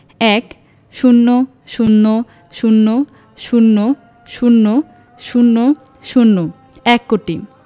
১০০০০০০০ এক কোটি